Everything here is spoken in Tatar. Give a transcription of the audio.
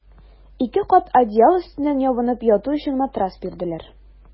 Ике кат одеял өстеннән ябынып яту өчен матрас бирделәр.